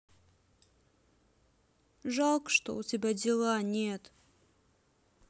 жалко что у тебя дела нет